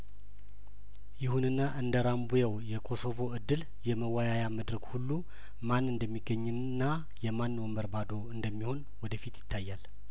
ይሁንና እንደራም ቡየው የኮሶቮ እድል የመወያያ መድረክ ሁሉ ማን እንደሚገኝና የማን ወንበር ባዶ እንደሚሆን ወደፊት ይታያል